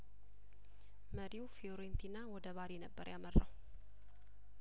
መሪው ፊዮሬንቲና ወደ ባሪ ነበር ያመራው